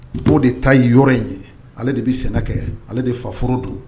N' de ta ye yɔrɔ in ye ale de bɛ sɛnɛina kɛ ale de faf don